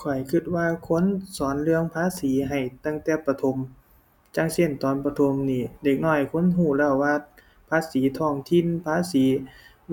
ข้อยคิดว่าควรสอนเรื่องภาษีให้ตั้งแต่ประถม อย่างเช่นตอนประถมนี้ เด็กน้อยควรคิดแล้วว่าภาษีท้องถิ่น ภาษี